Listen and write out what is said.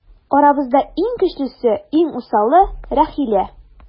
Арабызда иң көчлесе, иң усалы - Рәхилә.